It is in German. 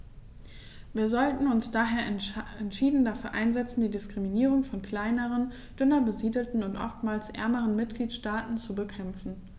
Wir sollten uns daher entschieden dafür einsetzen, die Diskriminierung von kleineren, dünner besiedelten und oftmals ärmeren Mitgliedstaaten zu bekämpfen.